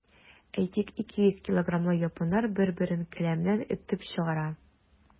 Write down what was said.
Әйтик, 200 килограммлы японнар бер-берен келәмнән этеп чыгара.